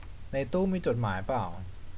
ในตู้มีจดหมายเปล่า